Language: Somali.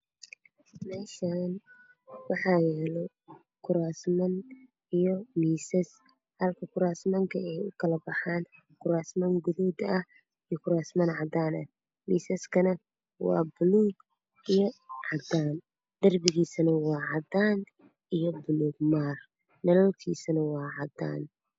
Meeshaan waxaa yaalo kuraasman iyo miisas. Kuraastu waxay ukala baxaan kuraas gaduud ah iyo kuraas cadaan ah. Miisaska waa cadaan iyo buluug. Darbiguna waa cadaan iyo buluug maari, nalalkiisu waa cadaan.